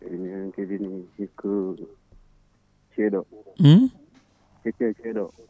eyyi minen kadi mi cikku ceeɗu o ikka e ceeɗu o